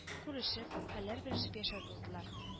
Күрешеп, хәлләр белешеп яшәр булдылар